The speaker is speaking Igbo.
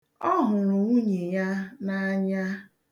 Ọ hụrụ nwunye ya n'anya.